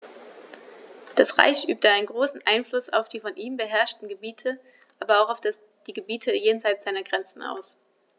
Das Reich übte einen großen Einfluss auf die von ihm beherrschten Gebiete, aber auch auf die Gebiete jenseits seiner Grenzen aus.